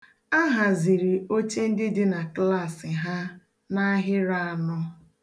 A haziri oche ndị dị na klaasị ha n'ahịrị anọ.